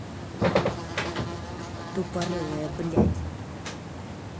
тупорылая блядь